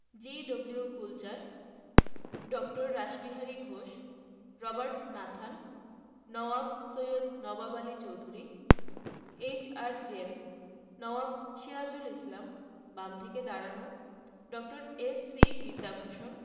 G W. কুলচার ড. Rashbehari Ghosh Robert Nathan Nawab Syed Nawab Ali Chowdhury H R. James Nawab Sirajul Islam বাম থেকে দাঁড়ানো ড. এস.সি. বিদ্যাভূষণ